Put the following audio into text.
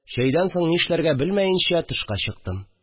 Чәйдән соң нишләргә белмәенчә тышка чыктым